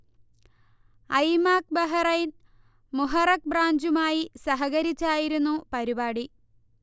ഐമാക്ക് Bahrain Muharraq ബ്രാഞ്ചുമായി സഹകരിച്ചായിരുന്നു പരിപാടി